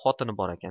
xotini bor ekan